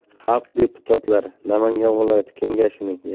xalq deputatlari namangan viloyati kengashining